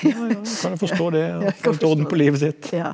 ja ja kan jo forstå det få litt orden på livet sitt.